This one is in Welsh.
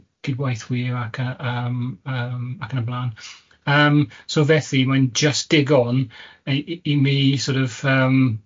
cydweithwyr ac yy yym yym, ac yn y blaen. Yym so felly mae'n jyst digon i i i mi sor' of yym